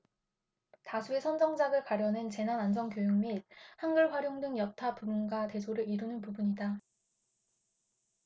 다수의 선정작을 가려낸 재난안전교육 및 한글 활용 등 여타 부문과 대조를 이루는 부분이다